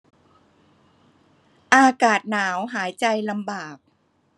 อากาศหนาวหายใจลำบาก